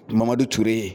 Mamadu Ture ye